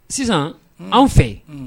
Sisan an fɛ